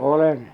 olen